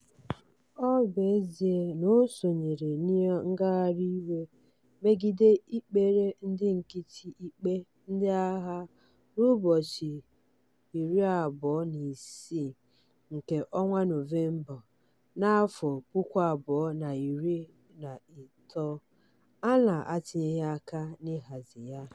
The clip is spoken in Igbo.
Ọ bụ ezie na o sonyere na ngagharị iwe megide ikpere ndị nkịtị ikpe ndị agha n'ụbọchị 26 nke Nọvemba na 2013, Alaa etinyeghị aka n'ịhazi ya.